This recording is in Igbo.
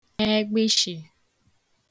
egbịshị̀